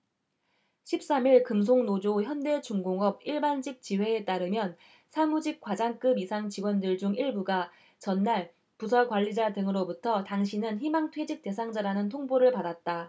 십 삼 일 금속노조 현대중공업 일반직지회에 따르면 사무직 과장급 이상 직원들 중 일부가 전날 부서 관리자 등으로부터 당신은 희망퇴직 대상자라는 통보를 받았다